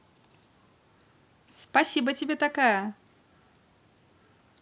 спасибо тебе такая